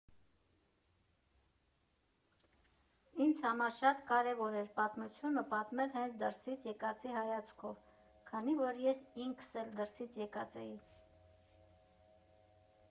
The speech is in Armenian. Ինձ համար շատ կարևոր էր պատմությունը պատմել հենց դրսից եկածի հայացքով, քանի որ ես ինքս էլ դրսից եկած էի։